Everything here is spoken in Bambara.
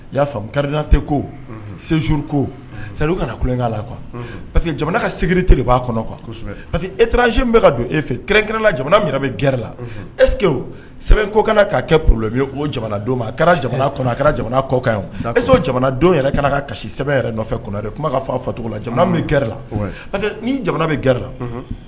I y'a karirintɛ kouru ko sa kanakan la kuwa pa que jamana ka segin de b'a kɔnɔ pa que e trasie bɛ ka don e fɛ kɛrɛnkɛla jamana minɛ bɛ gɛrɛ la eke sɛbɛn kokan'a kɛ o jamana a kɛra jamana kɔnɔ a kɛra jamana kɔkan e jamanadenw yɛrɛ ka ka kasi sɛbɛn yɛrɛ nɔfɛ kɔnɔ kuma ka fɔcogo la jamana bɛ g la ni jamana bɛ gɛrɛ la